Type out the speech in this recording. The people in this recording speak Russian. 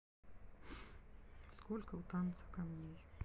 сколько у танца камней